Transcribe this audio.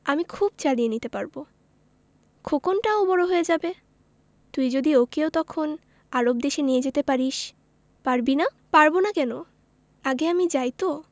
আমি খুব চালিয়ে নিতে পারব খোকনটাও বড় হয়ে যাবে তুই যদি ওকেও তখন আরব দেশে নিয়ে যেতে পারিস পারবি না পারব না কেন আগে আমি যাই তো